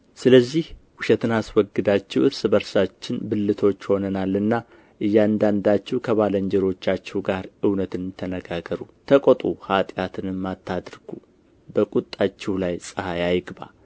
ስለዚህ ውሸትን አስወግዳችሁ እርስ በርሳችን ብልቶች ሆነናልና እያንዳንዳችሁ ከባልንጀሮቻችሁ ጋር እውነትን ተነጋገሩ ተቆጡ ኃጢአትንም አታድርጉ በቁጣችሁ ላይ ፀሐይ አይግባ